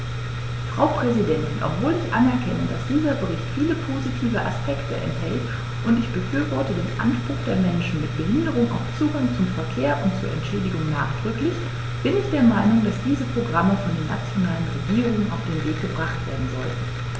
Frau Präsidentin, obwohl ich anerkenne, dass dieser Bericht viele positive Aspekte enthält - und ich befürworte den Anspruch der Menschen mit Behinderung auf Zugang zum Verkehr und zu Entschädigung nachdrücklich -, bin ich der Meinung, dass diese Programme von den nationalen Regierungen auf den Weg gebracht werden sollten.